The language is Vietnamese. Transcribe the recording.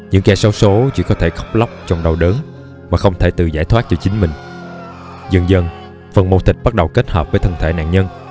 những kẻ xấu số chỉ có thể khóc lóc trong đau đớn mà không thể tự giải thoát cho chính mình dần dần phần mô thịt bắt đầu kết hợp với thân thể nạn nhân